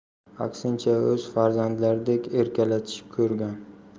aksincha o'z farzandlaridek erkalatishib ko'rgan